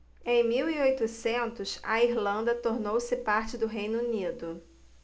em mil e oitocentos a irlanda tornou-se parte do reino unido